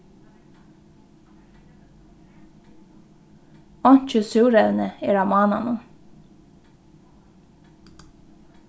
einki súrevni er á mánanum